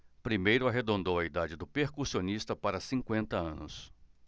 primeiro arredondou a idade do percussionista para cinquenta anos